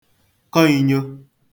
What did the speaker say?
kọ īnyō